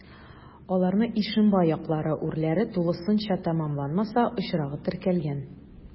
Аларны Ишембай яклары урләре тулысынча тәмамланмаса очрагы теркәлгән.